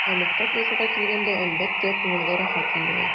Ә мактап язуга килгәндә, әлбәттә, күңелгә рәхәт инде ул.